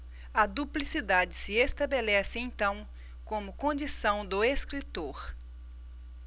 a duplicidade se estabelece então como condição do escritor